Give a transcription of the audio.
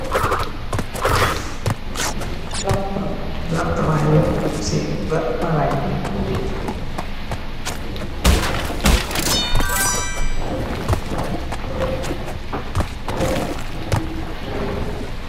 Lampa, lampa mba geh feeg si marag bi .